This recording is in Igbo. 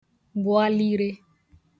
gbụ̀a li ire